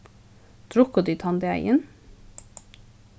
drukku tit tann dagin